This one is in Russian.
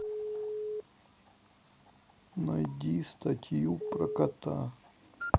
найди статью про кота